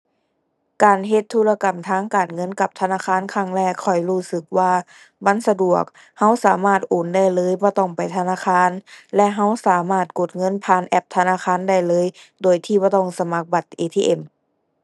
การเฮ็ดธุรกรรมทางการเงินกับธนาคารครั้งแรก ข้อยรู้สึกว่ามันสะดวก เราสามารถโอนได้เลยบ่ต้องไปธนาคารและเราสามารถกดเงินผ่านแอปธนาคารได้เลย โดยที่บ่ต้องสมัครบัตร ATM